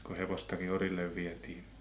kun hevostakin orille vietiin